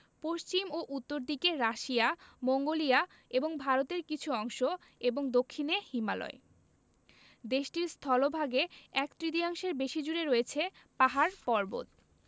পশ্চিম ও উত্তর দিকে রাশিয়া মঙ্গোলিয়া এবং ভারতের কিছু অংশ এবং দক্ষিনে হিমালয় দেশটির স্থলভাগে এক তৃতীয়াংশের বেশি জুড়ে রয়ছে পাহাড় পর্বত